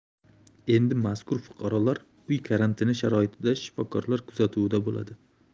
endi mazkur fuqarolar uy karantini sharoitida shifokorlar kuzatuvida bo'ladi